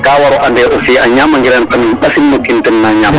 Mais ka war o ande aussi o ñaamangiran ɓasil no kiin den na ñaamkan